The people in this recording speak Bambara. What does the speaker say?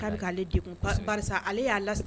K'a bɛ ale pa ale y'a la